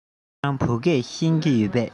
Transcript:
ཁྱེད རང བོད སྐད ཤེས ཀྱི ཡོད པས